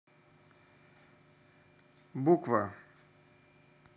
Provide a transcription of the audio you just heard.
буква